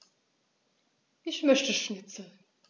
Ich möchte Schnitzel.